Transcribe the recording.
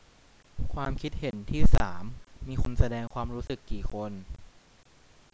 ความคิดเห็นที่สามมีคนแสดงความรู้สึกกี่คน